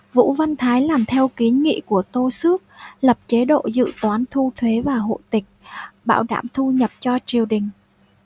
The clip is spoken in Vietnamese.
vũ văn thái làm theo kiến nghị của tô xước lập chế độ dự toán thu thuế và hộ tịch bảo đảm thu nhập cho triều đình